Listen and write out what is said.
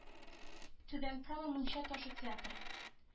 Түбән кама мунча ташы театры